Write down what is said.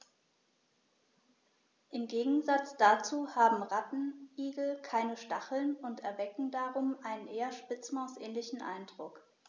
Im Gegensatz dazu haben Rattenigel keine Stacheln und erwecken darum einen eher Spitzmaus-ähnlichen Eindruck.